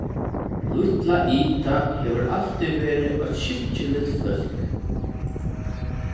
lítla ida hevur altíð verið eitt skikkiligt fólk